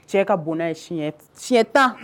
Cɛ ka bon n'a ye siɲɛ 10